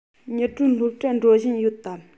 ཉི སྒྲོན སློབ གྲྭར འགྲོ བཞིན ཡོད དམ